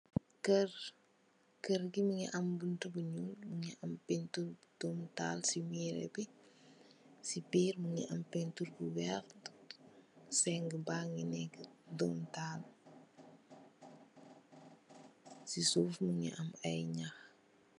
Kèr, kèr ngi mugii am buntu bu ñuul mugii am pentir bu doom tahal ci miir bi, ci biir mugii am pentir bu wèèx, seng ba ngi nekk doomi tahal. Ci suuf mugii am ay ñax.